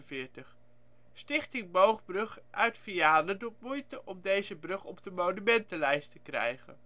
1945). Stichting Boogbrug uit Vianen doet moeite om deze brug op de monumentenlijst te krijgen